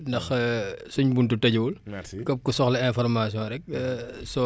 képp ku soxla information rek soo ootewul fii tamit si numéros yiñ joxe